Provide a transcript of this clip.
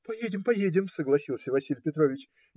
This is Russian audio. - Поедем, поедем, - согласился Василий Петрович.